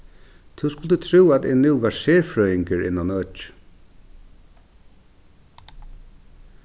tú skuldi trúð at eg nú var serfrøðingur innan økið